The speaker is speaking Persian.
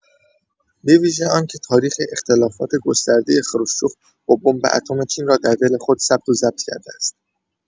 بویژه آنکه تاریخ اختلافات گسترده خروشچف با بمب اتم چین را در دل خود ثبت و ضبط کرده است!